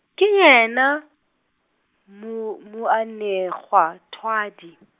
ke yena, mo moanegwathwadi.